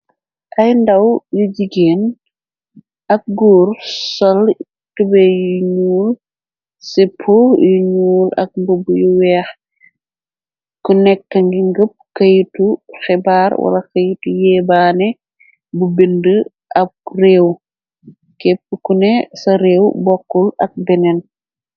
Ay ndaw yu jigeen ak góur sol tubey yu ñyuul seppo yu ñyuul ak mbubu yu weex ku nekk ngi ngëpp keytu xebaar wala keytu yéebaane bu bindi ab réew képpu kune ca réew bokkul ak beneen.